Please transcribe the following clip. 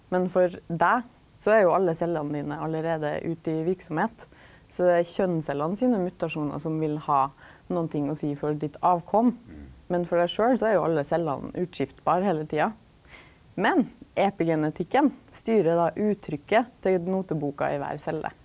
men for deg så er jo alle cellene dine allereie ute i verksemd, så det er kjønnscellene sine mutasjonar som vil ha nokon ting å seia for ditt avkom, men for deg sjølv så er jo alle cellene utskiftbar heile tida, men epigenetikken styrer då uttrykket til noteboka i kvar celle.